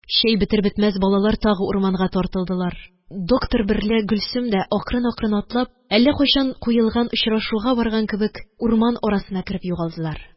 Чәй бетәр-бетмәс, балалар тагы урманга таралдылар. Доктор берлә Гөлсем дә, акрынакрын атлап, әллә кайчан куелган очрашуга барган кебек, урман арасына кереп югалдылар.